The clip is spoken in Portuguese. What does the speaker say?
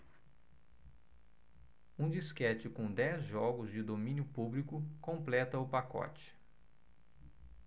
um disquete com dez jogos de domínio público completa o pacote